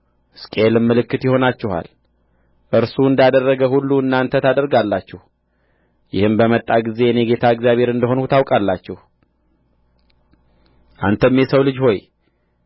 ሕዝቅኤልም ምልክት ይሆናችኋል እርሱ እንዳደረገ ሁሉ እናንተ ታደርጋላችሁ ይህም በመጣ ጊዜ እኔ ጌታ እግዚአብሔር እንደ ሆንሁ ታውቃላችሁ አንተም የሰው ልጅ ሆይ